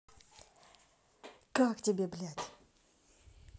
как тебя блять